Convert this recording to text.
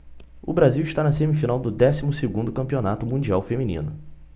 o brasil está na semifinal do décimo segundo campeonato mundial feminino